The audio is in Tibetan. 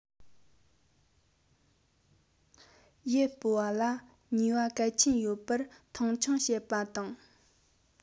ཡུལ སྤོ བ ལ ནུས པ གལ ཆེན ཡོད པར མཐོང ཆུང བྱེད པ དང